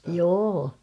joo